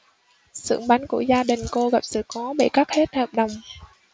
xưởng bánh của gia đình cô gặp sự cố bị cắt hết hợp đồng